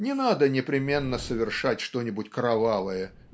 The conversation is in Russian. Не надо непременно совершить что-нибудь кровавое